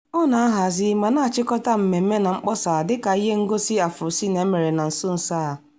Ọ na-ahazi ma na-achịkọta mmemme na mkpọsa dịka ihe ngosi AfroCine emere na nsonso a.